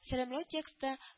Сәламләү тексты